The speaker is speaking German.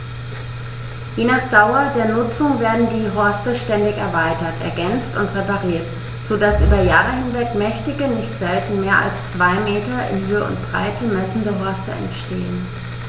Je nach Dauer der Nutzung werden die Horste ständig erweitert, ergänzt und repariert, so dass über Jahre hinweg mächtige, nicht selten mehr als zwei Meter in Höhe und Breite messende Horste entstehen.